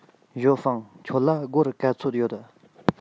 ཞའོ ཧྥང ཁྱོད ལ སྒོར ག ཚོད ཡོད